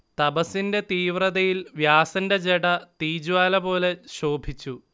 തപസ്സിന്റെ തീവ്രതയിൽ വ്യാസന്റെ ജട തീജ്വാലപോലെ ശോഭിച്ചു